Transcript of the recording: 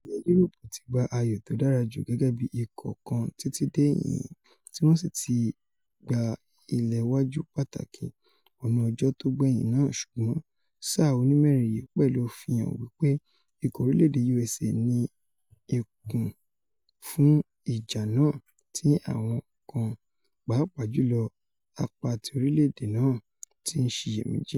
Ilẹ Yúróòpù ti gbá ayò tódàra ju gẹ́gẹ́bí ikọ̀ kan títí dé ìhín tí wọn sì tígba ìléwájú pàtàkí wọnú ọjọ́ tógbẹ̀yìn náà ṣùgbọn sáà onímẹ́rin yìí pẹ̀lú fihàn wí pé Ìkọ orílẹ̀-èdè USA ní ikùn fún ìjà náà tí àwọn kan, papàá jùlọ Apá-ti-orílẹ̀-èdè náà, ti ńsiyèméjì.